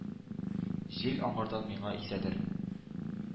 Җил аңардан миңа исәдер?